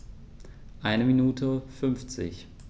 Eine Minute 50